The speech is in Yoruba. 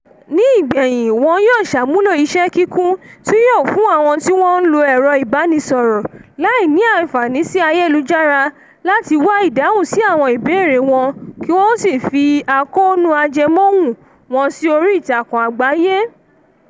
Ní ìgbẹ̀yìn, wọ́n yóò ṣàmúlò iṣẹ́ kíkún tí yóò fún àwọn tí wọ́n ń lo ẹ̀rọ ìbánisọ̀rọ̀ láì ní àǹfààní sí Ayélujára láti wá ìdáhùn sí àwọn ìbéèrè wọn kí wọn ó sì fi àkóónú ajẹmọ́ ohùn wọn sí orí ìtàkùn àgbáyé.